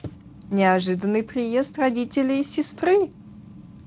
неожиданный приезд родителей и сестры